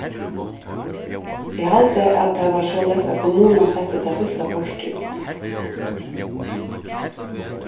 eg haldi at tað var soleiðis at kommunan setti tað fyrsta portrið upp